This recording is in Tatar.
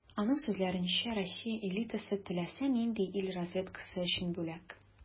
Аның сүзләренчә, Россия элитасы - теләсә нинди ил разведкасы өчен бүләк.